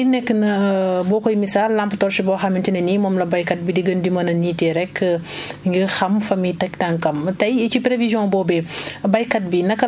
yaa ngi koy wax prévisions yi nekk na boo koy misaal lampe torche boo xamante ne nii moom la baykat bi di gën di mën a niitee rek ngir xam fa muy teg tànkam